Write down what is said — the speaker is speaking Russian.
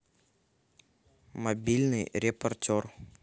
мобильный репортер